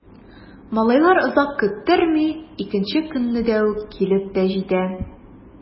Малайлар озак көттерми— икенче көнне үк килеп тә җитә.